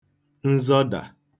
nzọdà